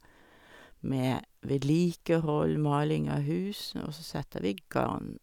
Med vedlikehold, maling av hus, og så setter vi garn.